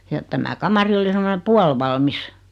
ja tämä kamari oli semmoinen puolivalmis